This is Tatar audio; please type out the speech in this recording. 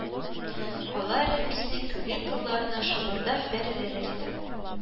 Алар рәфиснең күңел кылларына шыбырдап бәреләләр дә,